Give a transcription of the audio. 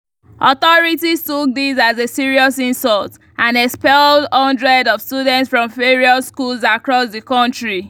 Authorities took this as a serious insult and expelled hundreds of students from various schools across the country.